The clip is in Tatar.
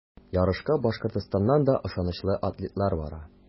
Ярышка Башкортстаннан да ышанычлы атлетлар бара.